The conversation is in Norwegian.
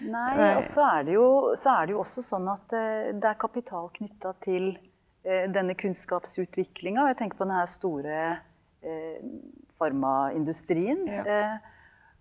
nei også er det jo så er det jo også sånn at det er kapital knytta til denne kunnskapsutviklinga, og jeg tenker på den her store industrien .